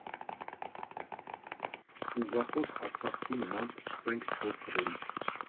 Ուղղախոս արցախցու նման՝ սկսենք չոր թվերից։